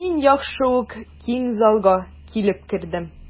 Мин яхшы ук киң залга килеп кердем.